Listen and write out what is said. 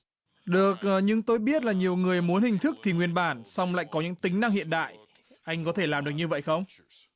được ờ nhưng tôi biết là nhiều người muốn hình thức thì nguyên bản song lại có những tính năng hiện đại anh có thể làm được như vậy không